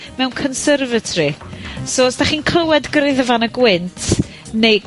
...mewn conervatory, so os 'dach chi'n clywed yn y gwynt, neu